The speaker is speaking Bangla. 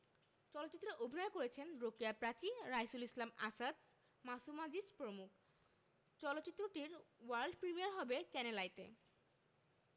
চলচ্চিত্রে অভিনয় করেছেন রোকেয়া প্রাচী রাইসুল ইসলাম আসাদ মাসুম আজিজ প্রমুখ চলচ্চিত্রটির ওয়ার্ল্ড প্রিমিয়ার হবে চ্যানেল আইতে